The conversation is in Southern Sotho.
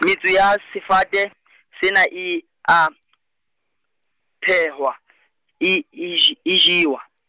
metso ya sefate, sena, e a , phehwa , e, e jw-, e jewe.